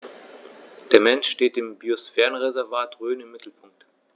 Der Mensch steht im Biosphärenreservat Rhön im Mittelpunkt.